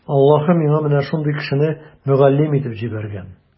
Аллаһы миңа менә шундый кешене мөгаллим итеп җибәргән.